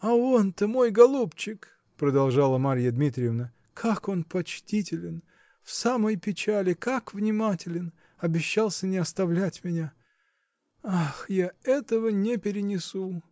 -- А он-то, мой голубчик, -- продолжала Марья Дмитриевна, -- как он почтителен, в самой печали как внимателен! Обещался не оставлять меня. Ах, я этого не перенесу!